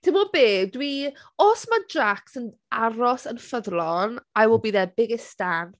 Tibod be? Dwi... os ma' Jaques yn aros yn ffyddlon, I will be their biggest stan.